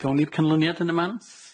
Gawn ni'r canlyniad yn y man?